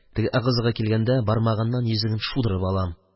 Теге ыгы-зыгы килгәндә, бармагыннан йөзеген шудырып алам.